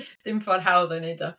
Dim ffordd hawdd o'i wneud o.